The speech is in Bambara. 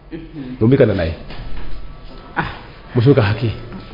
N bɛ ka' ye muso ka ha